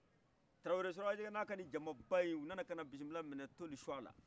tarawore surakajɛkɛn'aka ni jaman bayi u nana kana bisimila minɛ toli suala